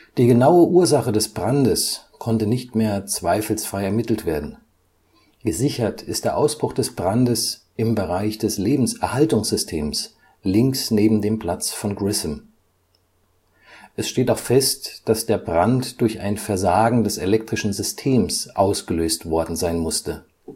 Die genaue Ursache des Brandes konnte nicht mehr zweifelsfrei ermittelt werden. Gesichert ist der Ausbruch des Brandes im Bereich des Lebenserhaltungssystems links neben dem Platz von Grissom. Es steht auch fest, dass der Brand durch ein Versagen des elektrischen Systems ausgelöst worden sein musste. Die